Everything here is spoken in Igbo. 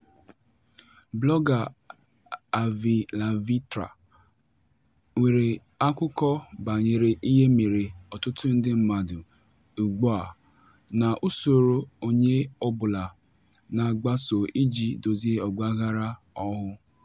Blọọga Avylavitra nwere akụkọ banyere ihe mere ọtụtụ ndị mmadụ ugbua na usoro onye ọbụla na-agbaso iji dozie ọgbaghara ahụ.